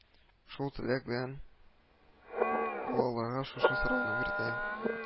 Шул теләк белән, ул аларга шушы сорауны бирде: